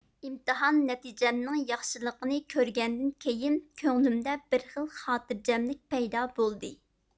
ئىمتىھان نەتىجەمنىڭ ياخشىلىقىنى كۆرگەندىن كېيىن كۆڭلۈمدە بىر خىل خاتىرجەملىك پەيدا بولدى